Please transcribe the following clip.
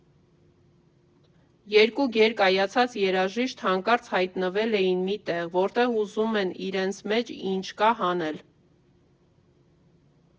Երկու գերկայացած երաժիշտ հանկարծ հայտնվել էին մի տեղ, որտեղ ուզում են իրենց մեջ ինչ կա, հանել։